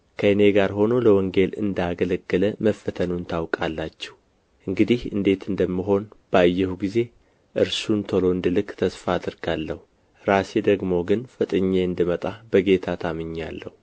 ከእኔ ጋር ሆኖ ለወንጌል እንደ አገለገለ መፈተኑን ታውቃላችሁ እንግዲህ እንዴት እንደምሆን ባየሁ ጊዜ እርሱን ቶሎ እንድልክ ተስፋ አደርጋለሁ ራሴ ደግሞ ግን ፈጥኜ እንድመጣ በጌታ ታምኜአለሁ